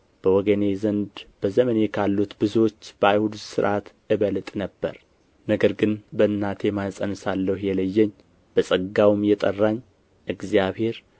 በወገኔ ዘንድ በዘመኔ ካሉት ብዙዎችን በአይሁድ ሥርዓት እበልጥ ነበር ነገር ግን በእናቴ ማኅፀን ሳለሁ የለየኝ በጸጋውም የጠራኝ እግዚአብሔር